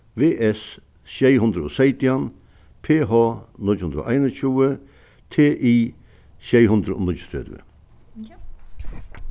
v s sjey hundrað og seytjan p h níggju hundrað og einogtjúgu t i sjey hundrað og níggjuogtretivu